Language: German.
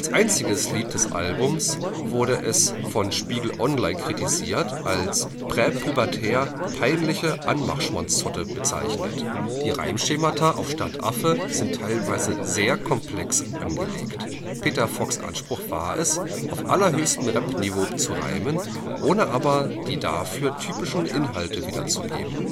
einziges Lied des Albums wurde es von Spiegel Online kritisiert und als „ präpubertär peinliche Anmach-Schmonzette “bezeichnet. Die Reimschemata auf Stadtaffe sind teilweise sehr komplex angelegt. Peter Fox ' Anspruch war es, „ auf allerhöchstem Rap-Niveau “zu reimen, ohne aber die dafür typischen Inhalte wiederzugeben